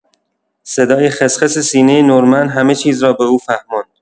صدای خس‌خس سینه نورمن همه‌چیز را به او فهماند.